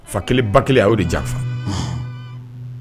Fa kelen ba kelen a yo de janfa.